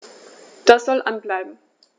Das soll an bleiben.